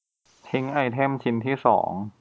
ทิ้งไอเทมชิ้นที่สอง